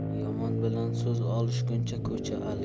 yomon bilan so'z olishguncha ko'cha alish